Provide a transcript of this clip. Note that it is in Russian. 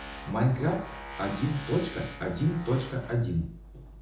майнкрафт один точка один точка один